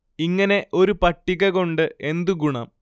ഇങ്ങനെ ഒരു പട്ടിക കൊണ്ട് എന്തു ഗുണം